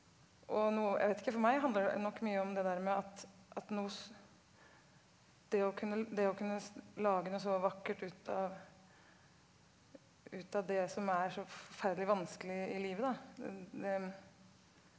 og noe jeg vet ikke for meg handler det nok mye om det der med at at noe det å kunne det å kunne lage noe så vakkert ut av ut av det som er så forferdelig vanskelig i livet da .